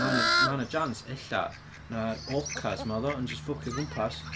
Mae 'na mae 'na chance ella na'r orcas 'ma oedd o yn jyst ffwcio o gwmpas.